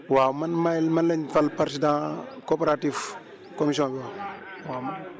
waaw man maay man lañ fal président coopérative comission bi waaw waaw man